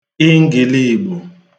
ingìliigbò